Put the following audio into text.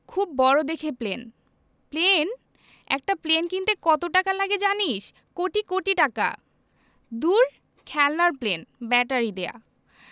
খুব বড় দেখে প্লেন প্লেন একটা প্লেন কিনতে কত টাকা লাগে জানিস কোটি কোটি টাকা দূর খেলনার প্লেন ব্যাটারি দেয়া